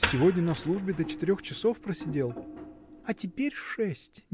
– Сегодня на службе до четырех часов просидел. – А теперь шесть.